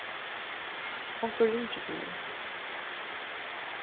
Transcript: onkur ringir til mín